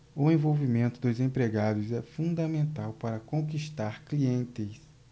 o envolvimento dos empregados é fundamental para conquistar clientes